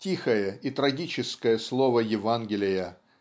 тихое и трагическое слово Евангелия